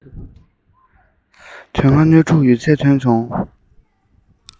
དོན ལྔ སྣོད དྲུག ཡོད ཚད མཐོང བྱུང